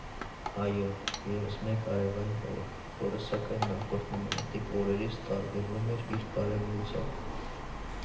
Այո, ևս մեկ արևային օր, որը, սակայն նախորդ նմանատիպ օրերից տարբերվում էր իր կարևորությամբ.